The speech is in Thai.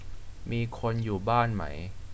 มีคนอยู่บ้านไหม